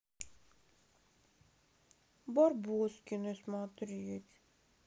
барбоскины смотреть